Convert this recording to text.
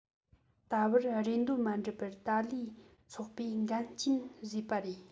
ད བར རེ འདོད མ གྲུབ པ ནི ཏཱ ལའི ཚོགས པས འགལ རྐྱེན བཟོས པས རེད